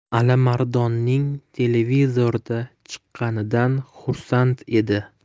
alimardonning televizorda chiqqanidan xursand edi